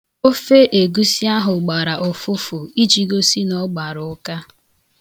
Ofe egusi ahụ gbara ụfụfụ iji gosi na ọ gbara ụka.